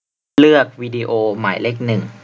เลือกวิดีโอหมายเลขหนึ่ง